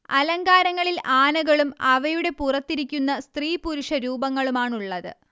അലങ്കാരങ്ങളിൽ ആനകളും അവയുടെ പുറത്തിരിക്കുന്ന സ്ത്രീപുരുഷ രൂപങ്ങളുമാണുള്ളത്